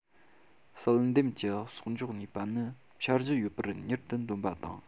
བསལ འདེམས ཀྱི གསོག འཇོག ནུས པ ནི འཆར གཞི ཡོད པར མྱུར དུ འདོན པ དང